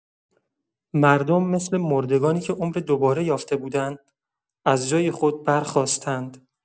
مردم مثل مردگانی که عمر دوباره یافته بودند، از جای خود برخاستند.